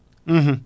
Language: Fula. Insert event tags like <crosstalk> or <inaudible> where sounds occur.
<hesitation> <hesitation>